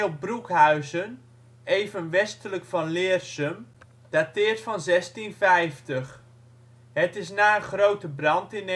Broekhuizen (even westelijk van Leersum), dateert van 1650. Het is na een grote brand in 1906